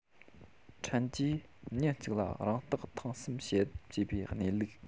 ཕྲན གྱིས ཉིན གཅིག ལ རང བརྟག ཐེངས གསུམ བྱེད ཅེས པའི གནས ལུགས